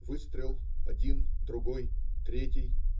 Выстрел -один, другой, третий.